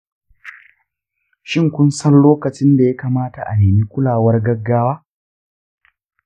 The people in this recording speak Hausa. shin kun san lokacin da ya kamata a nemi kulawar gaggawa?